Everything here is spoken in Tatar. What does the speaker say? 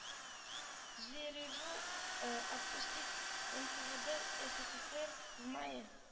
Звереву отпустить нквд ссср в мае